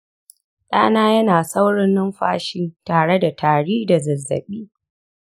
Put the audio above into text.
ɗana yana saurin numfashi tare da tari da zazzabi.